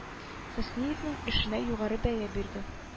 Хөсниевның эшенә югары бәя бирде